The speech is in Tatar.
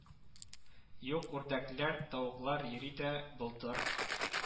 Юк үрдәкләр, тавыклар йөри дә, болтыр